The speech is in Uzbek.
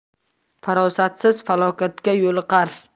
farosatsiz falokatga yo'liqar